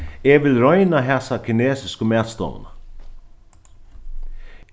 eg vil royna hasa kinesisku matstovuna